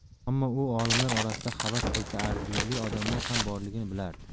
ammo u olimlar orasida havas qilsa arzirli odamlar ham borligini bilardi